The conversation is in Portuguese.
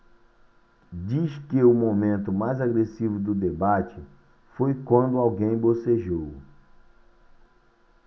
diz que o momento mais agressivo do debate foi quando alguém bocejou